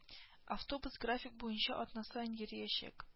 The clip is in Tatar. Автобус график буенча атна саен йөриячәк